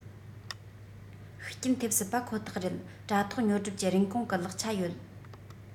ཤུགས རྐྱེན ཐེབས སྲིད པ ཁོ ཐག རེད དྲ ཐོག ཉོ སྒྲུབ ཀྱི རིན གོང གི ལེགས ཆ ཡོད